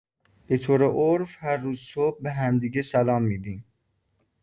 به‌طور عرف، هر روز صبح به همدیگه سلام می‌دیم.